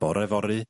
...bore fory